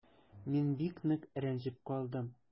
Мин бик нык рәнҗеп калдым.